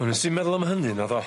Wel nes i'm meddwl am hynny naddo?